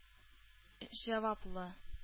Җаваплы